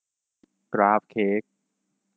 กราฟเค้ก